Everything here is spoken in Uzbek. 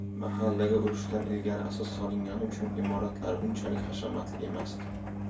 mahallaga urushdan ilgari asos solingani uchun imoratlari unchalik hashamatli emasdi